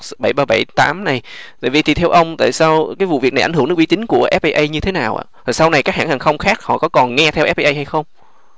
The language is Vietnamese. bảy ba bảy tám này tại vì theo ông tại sao các vụ việc này ảnh hưởng đến uy tín của ép bi ây như thế nào ạ và sau này các hãng hàng không khác họ có còn nghe theo ép bi ây hay không